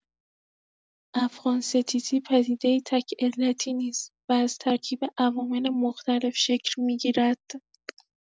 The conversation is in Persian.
افغان‌ستیزی پدیده‌ای تک‌علتی نیست و از ترکیب عوامل مختلف شکل می‌گیرد: